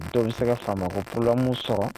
Donc i bɛ se ka faamako prorblème sɔrɔ